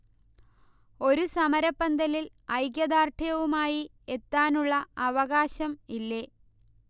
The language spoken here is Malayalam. ഒരു സമരപന്തലിൽ ഐക്യദാർഢ്യവുമായി എത്താനുള്ള അവകാശം ഇല്ലേ